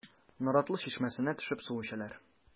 Наратлы чишмәсенә төшеп су эчәләр.